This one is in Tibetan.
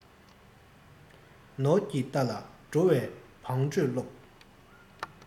ནོར གྱི རྟ ལ འགྲོ བའི བང འགྲོས སློབས